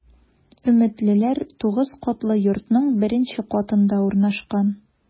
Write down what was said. “өметлеләр” 9 катлы йортның беренче катында урнашкан.